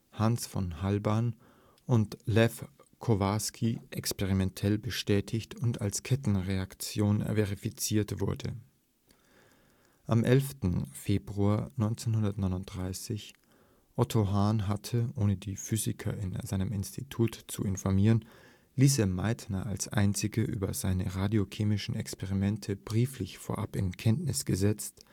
Hans von Halban und Lew Kowarski experimentell bestätigt und als „ Kettenreaktion “verifiziert wurde. Am 11. Februar 1939 – Otto Hahn hatte, ohne die Physiker in seinem Institut zu informieren, Lise Meitner als einzige über seine radiochemischen Experimente brieflich vorab in Kenntnis gesetzt